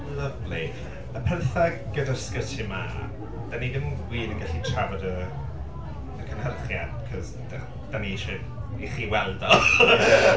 Lyfli. Y gyda'r sgyrsiau 'ma, 'da ni ddim wir yn gallu trafod y y cynhyrchiad, achos da- dan ni isie i chi weld o